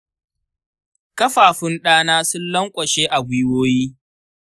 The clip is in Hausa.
ƙafafun ɗana sun lanƙwashe a gwiwoyi.